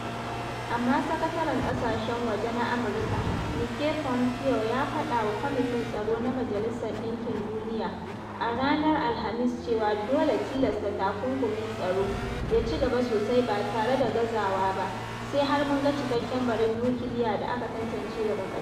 Amma, Sakataren Ƙasashen Waje na Amurka Mike Pompeo ya faɗa wa Kwamitin Tsaro na Majalisar Ɗinkin Duniya a ranar Alhamis cewa: “Dole tilasta takunkumin Kwamitin Tsaro ya ci gaba sosai ba tare da gazawa ba sai har mun ga cikekken barin nukiliya da aka tantance daga ƙarshe.”